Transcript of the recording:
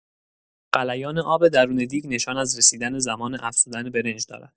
غلیان آب درون دیگ نشان از رسیدن زمان افزودن برنج دارد.